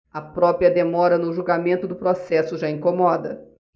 a própria demora no julgamento do processo já incomoda